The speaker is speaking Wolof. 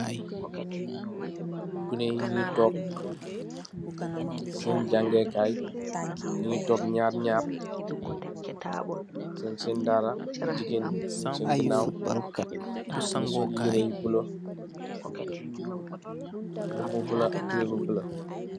Gunee yi nyungi tok seen jàngeekaay, nyungi tok nyarr nyarr sop seen dalla. Jigeen mung seen ganaw mungi sol mboba bu bulo tubey bu bulo.